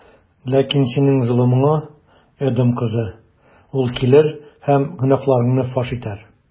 Ләкин синең золымыңа, Эдом кызы, ул килер һәм гөнаһларыңны фаш итәр.